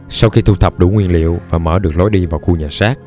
sau khi thu thập đủ nguyên liệu và mở được lối đi vào khu nhà xác